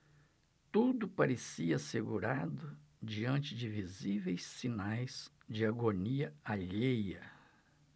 tudo parecia assegurado diante de visíveis sinais de agonia alheia